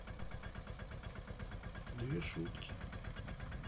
две штуки